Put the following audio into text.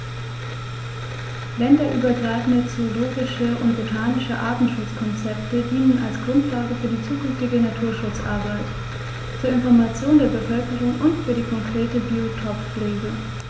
Länderübergreifende zoologische und botanische Artenschutzkonzepte dienen als Grundlage für die zukünftige Naturschutzarbeit, zur Information der Bevölkerung und für die konkrete Biotoppflege.